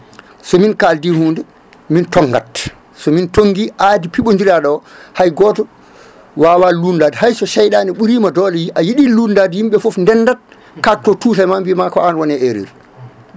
somin kaldi hunde min tonggat somin tonggui aadi piɓodiraɗo o hay goto wawa lundade hay so cheyɗade ɓuurima doole ayiɗi lundade yimɓeɓe foof ndendat kakto tuta e ma mbima ko an wone erreur